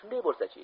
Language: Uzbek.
shunday bo'lsa chi